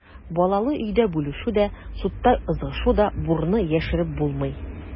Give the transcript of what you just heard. Балалы өйдә бүлешү дә, судта ызгышу да, бурны яшереп булмый.